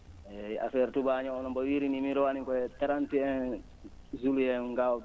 eeyi affiare tubaañoo o no mbo wiyiri nii miin rawani koye 31 juillet ngaawmi